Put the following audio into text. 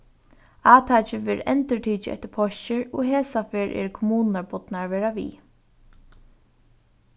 átakið verður endurtikið eftir páskir og hesa ferð eru kommunurnar bodnar at vera við